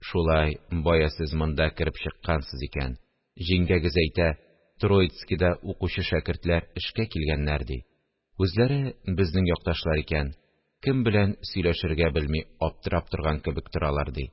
Шулай, бая сез монда кереп чыккансыз икән, җиңгәгез әйтә: Троицкида укучы шәкертләр эшкә килгәннәр, ди, үзләре безнең якташлар икән, кем белән сөйләшергә белми аптырап торган кебек торалар, ди